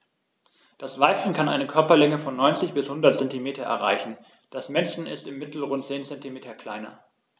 Das Weibchen kann eine Körperlänge von 90-100 cm erreichen; das Männchen ist im Mittel rund 10 cm kleiner.